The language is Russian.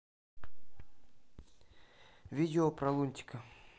видео про лунтика